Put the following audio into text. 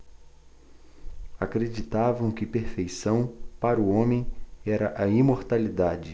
acreditavam que perfeição para o homem era a imortalidade